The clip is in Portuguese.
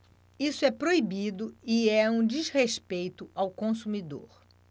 isso é proibido e é um desrespeito ao consumidor